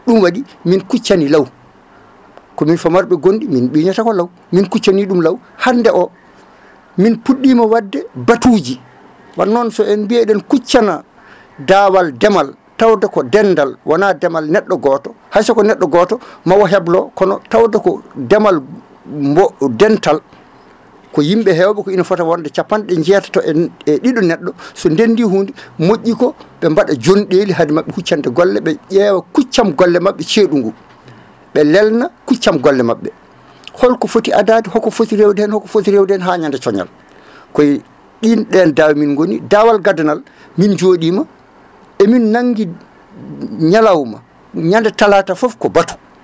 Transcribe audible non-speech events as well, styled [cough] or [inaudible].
ɗum waɗi min kuccani law komin famarɓe gonɗi min ɓiñata ko law min kuccani ɗum law hande o min puɗɗima wadde batuji won noon so en mbi eɗen kuccana daawal ndemal tawde ko ndendal wona ndemal neɗɗo goto haysoko neɗɗo goto mawo heblo kono tawde ko ndeemal mo dental ko yimɓeɓe hewɓe ko ina fota wonde capanɗe jeetato e [hesitation] e ɗiɗi neɗɗo so ndendi hunde moƴƴiko ɓe mbaɗa jonɗeli haade mabɓe huccande golle ɓe ƴeewa kuccam golle mabɓe ceeɗu ngu ɓe lelna kuccam golle mabɓe holko foti adade hoko foti rewde hen hoko foti rewde hen ha ñande cooñal koye ɗin ɗen daawe min goni daawal gadanal min joɗima emin naggui ñalawma ñand talata foof ko baatu